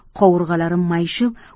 qovurg'alarim mayishib